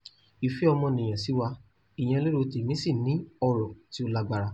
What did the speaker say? Ìfẹ́ ọmọnìyàn sì wà, ìyẹn lérò tèmi sì ni ọrọ̀ tí ó lágbára.